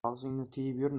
og'zingni tiyib yur